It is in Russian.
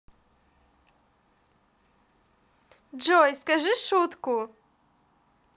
джой скажи шутку